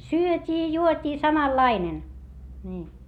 syötiin juotiin samanlainen niin